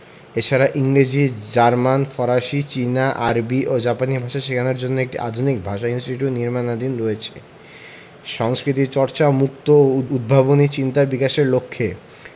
এছাড়া ইংরেজি জার্মান ফরাসি চীনা আরবি ও জাপানি ভাষা শেখানোর জন্য একটি আধুনিক ভাষা ইনস্টিটিউট নির্মাণাধীন রয়েছে সংস্কৃতিচর্চা মুক্ত ও উদ্ভাবনী চিন্তার বিকাশের লক্ষ্যে